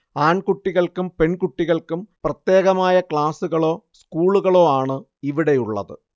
ആൺകുട്ടികൾക്കും പെൺകുട്ടികൾക്കും പ്രത്യേകമായ ക്ലാസുകളോ സ്കൂളുകളോ ആണ് ഇവിടെയുള്ളത്